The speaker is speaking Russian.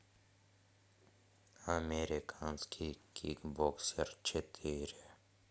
американский кикбоксер четыре